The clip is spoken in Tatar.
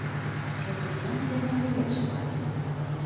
Шакирҗан белән Рамилә чыга.